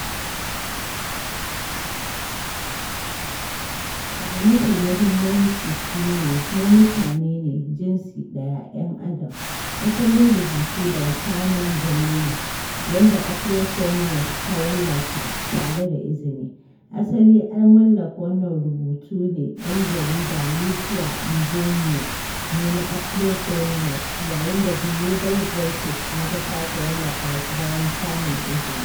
“Abu mafi mahimmanci shi ne, mu mutane ne, jinsi ɗaya, ‘yan Adam.” Asalin rubutu daga Carmen Bolena, wanda Afroféminas ta wallafa tare da izini. Asali an wallafa wannan rubutu na ɗan jarida Lucía Mbomío ne a Afroféminas, yayin da Global Voices kuma ta sake wallafa shi bayan samun izini.